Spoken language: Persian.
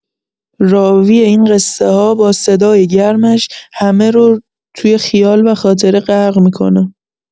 راوی این قصه‌ها با صدای گرمش، همه رو توی خیال و خاطره غرق می‌کنه.